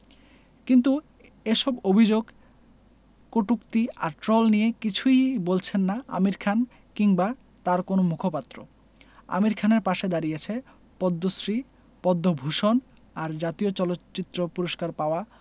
কিন্তু এসব অভিযোগ কটূক্তি আর ট্রল নিয়ে কিছুই বলছেন না আমির খান কিংবা তাঁর কোনো মুখপাত্র আমির খানের পাশে দাঁড়িয়েছেন পদ্মশ্রী পদ্মভূষণ আর জাতীয় চলচ্চিত্র পুরস্কার পাওয়া